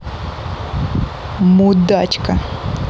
мудачка